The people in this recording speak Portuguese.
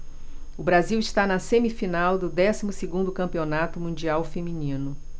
o brasil está na semifinal do décimo segundo campeonato mundial feminino